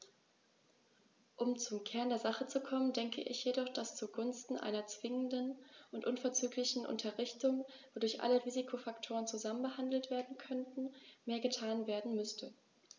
Um zum Kern der Sache zu kommen, denke ich jedoch, dass zugunsten einer zwingenden und unverzüglichen Unterrichtung, wodurch alle Risikofaktoren zusammen behandelt werden könnten, mehr getan werden müsste.